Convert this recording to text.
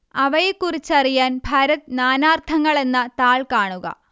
അവയെക്കുറിച്ചറിയാന് ഭരത് നാനാര്ത്ഥങ്ങളെന്ന താൾ കാണുക